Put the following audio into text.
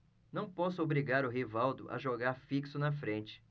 não posso obrigar o rivaldo a jogar fixo na frente